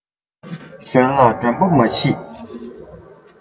ཞོལ ལ མགྲོན པོ མ མཆིས